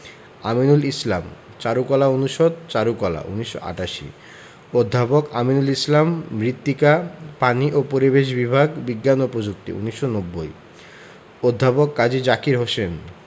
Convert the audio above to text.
আমিনুল ইসলাম চারুকলা অনুষদ চারুকলা ১৯৮৮ অধ্যাপক আমিনুল ইসলাম মৃত্তিকা পানি ও পরিবেশ বিভাগ বিজ্ঞান ও প্রযুক্তি ১৯৯০ অধ্যাপক কাজী জাকের হোসেন